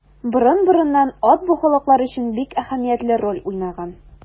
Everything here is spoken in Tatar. Борын-борыннан ат бу халыклар өчен бик әһәмиятле роль уйнаган.